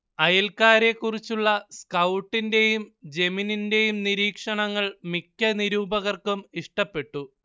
അയൽക്കാരെക്കുറിച്ചുള്ള സ്കൗട്ടിന്റെയും ജെമിനിന്റെയും നിരീക്ഷണങ്ങൾ മിക്ക നിരൂപകർക്കും ഇഷ്ടപ്പെട്ടു